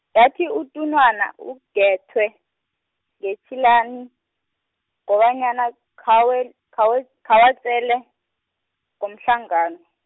yathi utunwana ugethwe, ngetjhilani, ngobanyana khawen- khawe- khawatjele, ngomhlangano.